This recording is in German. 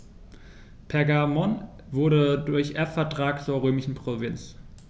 Pergamon wurde durch Erbvertrag zur römischen Provinz.